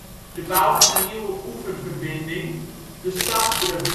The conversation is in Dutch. de bouw van een nieuwe oeververbinding, de Stadsbrug gepland